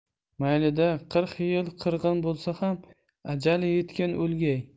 mayli da qirq yil qirg'in bo'lsa ham ajali yetgan o'lgay